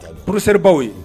Professeur ye.